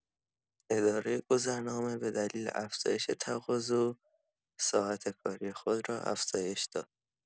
اداره گذرنامه به دلیل افزایش تقاضا ساعات کاری خود را افزایش داد.